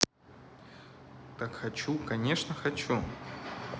так хочу конечно хочу